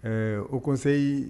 Ɛɛ o kɔnseyi